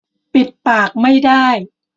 ปิดปากไม่ได้